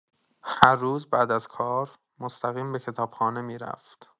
هر روز بعد از کار، مستقیم به کتابخانه می‌رفت.